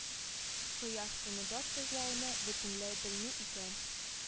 Кыяр-помидор тозлауны бөтенләй белми икән